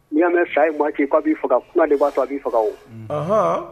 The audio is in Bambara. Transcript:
N'i y'a mɛ sa ye maa kin k'a b'i faga kuma de b'a to a b'i faga o, anhan